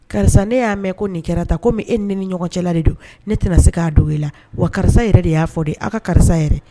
Karisa ne y'a mɛn ko nin kɛra ta e ni ni ɲɔgɔn cɛ la de don ne tɛna se k'a don e la wa karisa yɛrɛ de y'a fɔ de aw ka karisa yɛrɛ